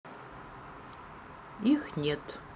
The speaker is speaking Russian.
их нет